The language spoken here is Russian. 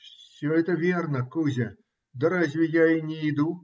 - Все это верно, Кузя, да разве я и не иду?